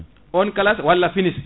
on kalas walla fini*